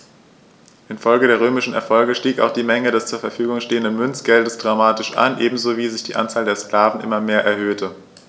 Infolge der römischen Erfolge stieg auch die Menge des zur Verfügung stehenden Münzgeldes dramatisch an, ebenso wie sich die Anzahl der Sklaven immer mehr erhöhte.